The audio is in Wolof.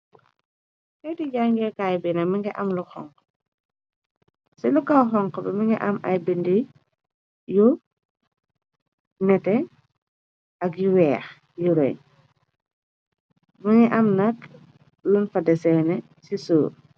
Feyti jangé kaay bi nak mun ngi am lu xonxu. Ci lu kaw xonxu bi mun ngi am ay bindi yu nete ak yu weex yu rëy mun ngi am nakk lum fa deseene neh ci suuf.